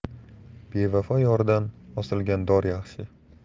bevafo yordan osilgan dor yaxshi